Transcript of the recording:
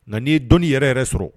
Nka n' ye dɔnnii yɛrɛ yɛrɛ sɔrɔ